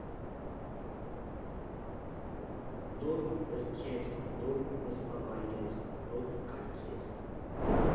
Նոր գրքեր, նոր նստավայրեր, նոր կայքեր։